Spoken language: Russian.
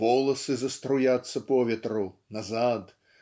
волосы заструятся по ветру назад